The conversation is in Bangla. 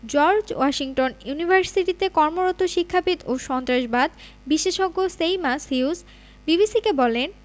জর্জ ওয়াশিংটন ইউনিভার্সিটিতে কর্মরত শিক্ষাবিদ ও সন্ত্রাসবাদ বিশেষজ্ঞ সেইমাস হিউজ বিবিসিকে বলেন